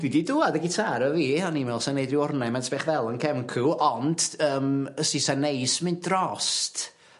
Dwi 'di dŵad 'yn gitâr efo fi a o'n i' me'wl sa neud ryw ornament fech del yn y cefn cw ond yym ys i- sa neis mynd drost